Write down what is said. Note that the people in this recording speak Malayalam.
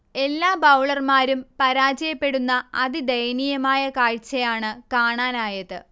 എല്ലാ ബൗളർമാരും പരാജയപ്പെടുന്ന അതിദയനീയമായ കാഴ്ചയാണ് കാണാനായത്